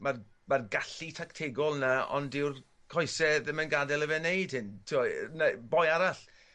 ma'r ma'r gallu tactegol yna ond dyw'r coese ddim yn gadel i fe neud hyn. T'wo' yy ne'... Boi arall